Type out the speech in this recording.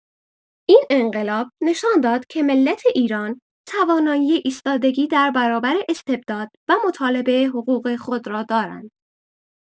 این انقلاب نشان داد که ملت ایران توانایی ایستادگی در برابر استبداد و مطالبه حقوق خود را دارد.